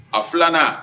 A filanan